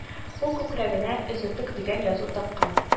Ул күкрәгенә «Өзеклек» дигән язу таккан